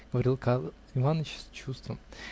-- говорил Карл Иваныч с чувством.